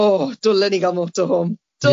O, dwlen i ga'l motorhome.